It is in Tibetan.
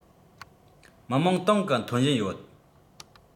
མི དམངས ཏང གི ཐོན བཞིན ཡོད